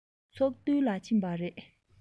ཚོགས འདུ ལ ཕྱིན པ རེད